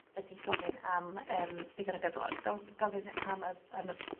ydi gofyn am yym digon o gyflog don't gofyn am y am y